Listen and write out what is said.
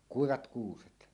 kuivat kuuset